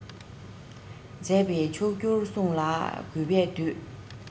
མཛད པའི མཆོག གྱུར གསུང ལ གུས པས འདུད